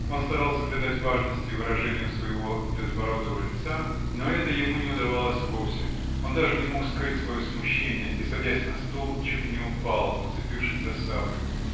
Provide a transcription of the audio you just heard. Он старался придать важности выражению своего безбородого лица, но это ему не удавалось вовсе: он даже не мог скрыть свое смущение -- и, садясь на стул, чуть не упал, зацепившись за саблю.